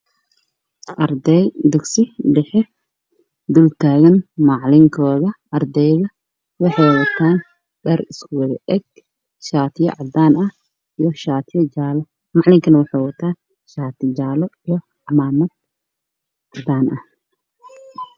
Waa arday dugsi waxaa hortaagan macalin kooda